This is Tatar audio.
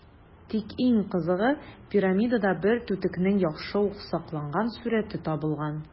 Тик иң кызыгы - пирамидада бер түтекнең яхшы ук сакланган сурəте табылган.